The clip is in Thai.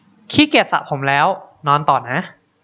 ขี้เกียจสระผมแล้วนอนต่อนะ